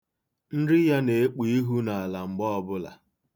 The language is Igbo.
Nri ya na-ekpu ihu n'ala mgbe ọbụla.